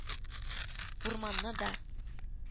Урманны да